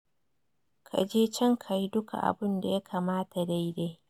ka je can kayi duka abun da ya kamata daidai.